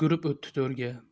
yugurib o'tdi to'rga